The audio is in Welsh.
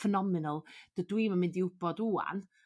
phenominal dydw i 'im yn mynd i wbod 'wan